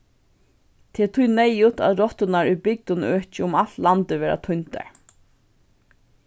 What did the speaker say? tað er tí neyðugt at rotturnar í bygdum øki um alt landið verða týndar